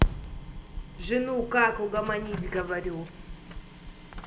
жену как угомонить говорю